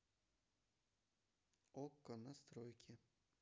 окко настройки